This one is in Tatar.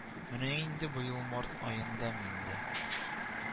Менә инде быел март аенда мин дә